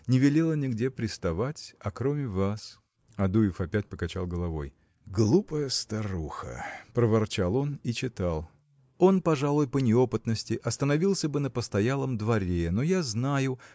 не велела нигде приставать, окроме вас. Адуев опять покачал головой. – Глупая старуха! – проворчал он и читал Он пожалуй по неопытности остановился бы на постоялом дворе но я знаю